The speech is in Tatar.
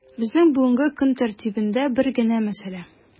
Безнең бүгенге көн тәртибендә бер генә мәсьәлә: